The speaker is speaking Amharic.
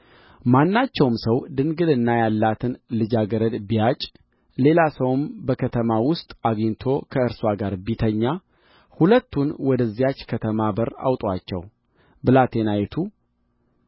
ማናቸውም ሰው ድንግልና ያላትን ልጃገረድ ቢያጭ ሌላ ሰውም በከተማ ውስጥ አግኝቶ ከእርስዋ ጋር ቢተኛ ሁለቱን ወደዚያች ከተማ በር አውጡአቸው ብላቴናይቱ